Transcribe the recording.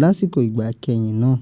lásìkò ìgbà ìkẹ̀hìn náà.